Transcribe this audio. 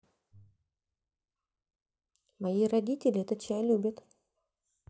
мои родители этот чай любят